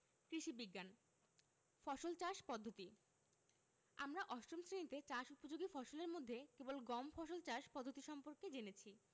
কৃষি বিজ্ঞান ফসল চাষ পদ্ধতি আমরা অষ্টম শ্রেণিতে চাষ উপযোগী ফসলের মধ্যে কেবল গম ফসল চাষ পদ্ধতি সম্পর্কে জেনেছি